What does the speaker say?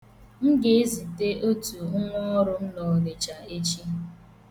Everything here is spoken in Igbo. M ga-ezite otu nwọọrụ m n'Ọnịcha echi.